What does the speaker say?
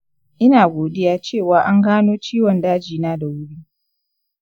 ina godiya cewa an gano ciwon dajin na da wuri.